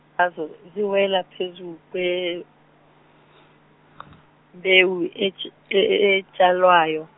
zazo ziwela phezu, kwembewu etsh- e- e- etshalwayo.